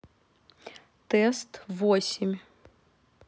тест восемь